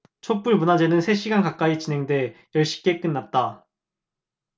촛불 문화제는 세 시간 가까이 진행돼 열 시께 끝났다